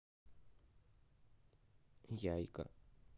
яйка